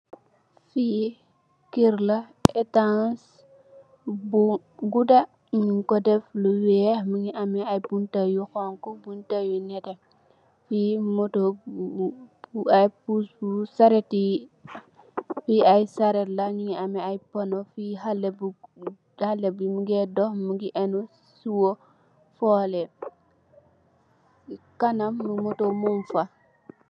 Fii kerr la ehtanss bu gudah, njung kor deff lu wekh, mungy ameh aiiy bunta yu honhu, bunta yu nehteh, fii motor bu aiiy pus pus, saretii, fii aiiy saret la njungy ameh aiiy pohnoh, fii haleh bu, haleh bii mungeh dokh mungy ehndu siwoh fohleh, cii kanam motor mung fa.